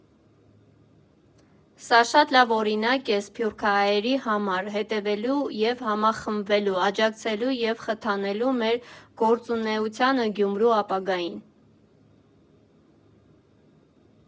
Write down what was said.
Սա շատ լավ օրինակ է սփյուռքահայերի համար հետևելու և համախմբվելու, աջակցելու և խթանելու մեր գործունեությանը՝ Գյումրու ապագային։